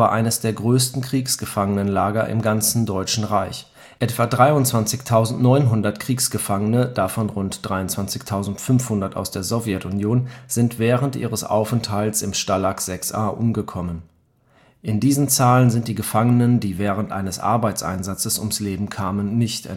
eines der größten Kriegsgefangenenlager im ganzen Deutschen Reich. Etwa 23.900 Kriegsgefangene, davon rund 23.500 aus der Sowjetunion, sind während ihres Aufenthalts im Stalag VI A umgekommen. In diesen Zahlen sind die Gefangenen, die während eines Arbeitseinsatzes ums Leben kamen, nicht